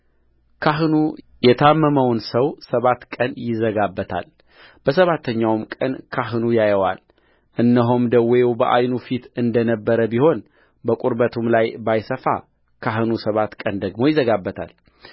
ካህኑ የታመመውን ሰው ሰባት ቀን ይዘጋበታልበሰባተኛውም ቀን ካህኑ ያየዋል እነሆም ደዌው በዓይኑ ፊት እንደ ነበረ ቢሆን በቁርበቱም ላይ ባይሰፋ ካህኑ ሰባት ቀን ደግሞ ይዘጋበታል